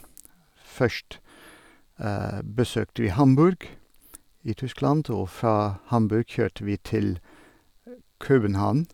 Først besøkte vi Hamburg i Tyskland, og fra Hamburg kjørte vi til København.